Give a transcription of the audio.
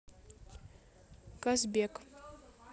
казбек